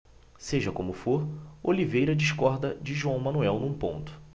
seja como for oliveira discorda de joão manuel num ponto